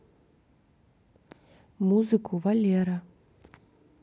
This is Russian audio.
музыку валера